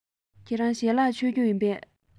ཁྱེད རང ཞལ ལག མཆོད རྒྱུ བཟའ རྒྱུ ཡིན པས